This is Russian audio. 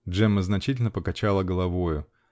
-- Джемма значительно покачала головою .